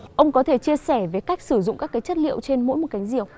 ông có thể chia sẻ về cách sử dụng các cái chất liệu trên mỗi một cánh diều